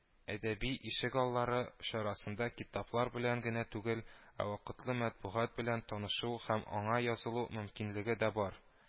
“әдәби ишегаллары” чарасында китаплар белән генә түгел, ә вакытлы матбугат белән танышу һәм аңа язылу мөмкинлеге дә бар